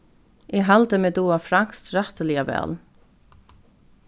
eg haldi meg duga franskt rættiliga væl